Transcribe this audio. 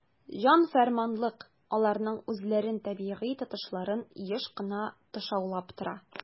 "җан-фәрманлык" аларның үзләрен табигый тотышларын еш кына тышаулап тора.